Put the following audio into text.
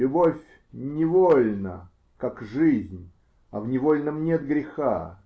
Любовь невольна, как жизнь, а в невольном нет греха.